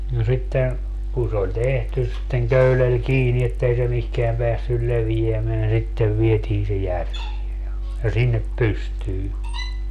ja sitten kun se oli tehty sitten köydellä kiinni että ei se mihinkään päässyt leviämään sitten vietiin se järveen ja ja sinne pystyyn